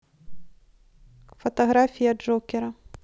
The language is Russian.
фотография джокера